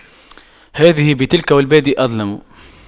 هذه بتلك والبادئ أظلم